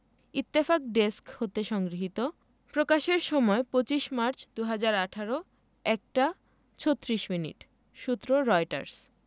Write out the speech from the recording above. Ittefaq desk হতে সংগৃহীত প্রকাশের সময় ২৫মার্চ ২০১৮ ১ টা ৩৬ মিনিট সূত্রঃ রয়টার্স